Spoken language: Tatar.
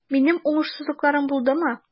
Минем уңышсызлыкларым булдымы?